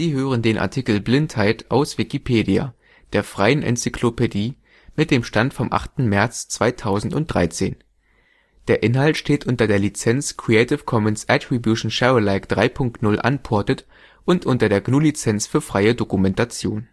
hören den Artikel Blindheit, aus Wikipedia, der freien Enzyklopädie. Mit dem Stand vom Der Inhalt steht unter der Lizenz Creative Commons Attribution Share Alike 3 Punkt 0 Unported und unter der GNU Lizenz für freie Dokumentation